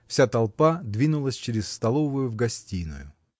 Вся толпа двинулась через столовую в гостиную.